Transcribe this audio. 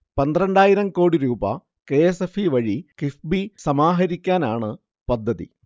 പന്ത്രണ്ടായിരം കോടിരൂപ K. S. F. E വഴി കിഫ്ബി സമാഹരിക്കാനാണ് പദ്ധതി